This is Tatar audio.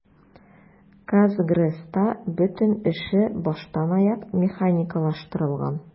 "казгрэс"та бетон эше баштанаяк механикалаштырылган.